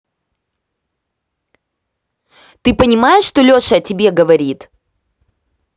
ты понимаешь что леша о тебе говорит